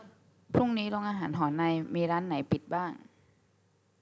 พรุ่งนี้โรงอาหารหอในมีร้านไหนปิดบ้าง